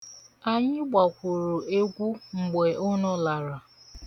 Anyị gbakwuru egwu mgbe unu lara.